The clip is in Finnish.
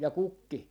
ja kukki